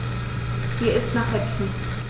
Mir ist nach Häppchen.